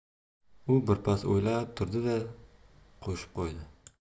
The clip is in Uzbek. u birpas o'ylab turdi da qo'shib qo'ydi